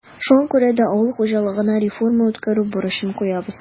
Шуңа күрә дә авыл хуҗалыгына реформа үткәрү бурычын куябыз.